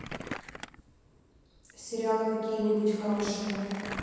сериалы какие нибудь хорошие